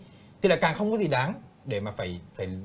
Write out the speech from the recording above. thì là càng không có gì đáng để mà phải phải